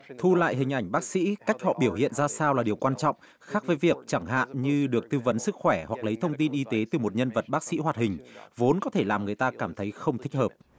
thu lại hình ảnh bác sĩ cách họ biểu hiện ra sao là điều quan trọng khác với việc chẳng hạn như được tư vấn sức khỏe hoặc lấy thông tin y tế từ một nhân vật bác sĩ hoạt hình vốn có thể làm người ta cảm thấy không thích hợp